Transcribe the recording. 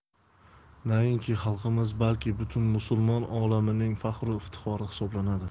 nainki xalqimiz balki butun musulmon olamining faxru iftixori hisoblanadi